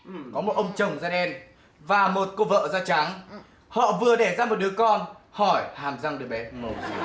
có một ông chồng da đen và một cô vợ da trắng họ vừa đẻ ra một đứa con hỏi hàm răng đứa bé màu gì